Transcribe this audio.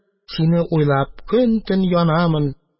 Сине уйлап, көн-төн янамын.